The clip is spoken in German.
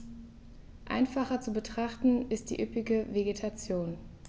Einfacher zu betrachten ist die üppige Vegetation.